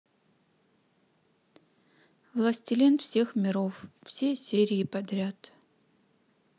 властелин всех миров все серии подряд